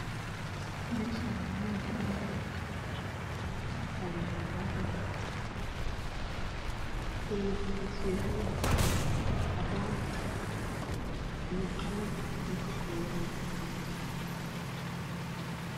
Meshan waa meel banan ah waxa yalo jaajar kalar kiisuna yahay cadaan iyo qalin u kakoban yahay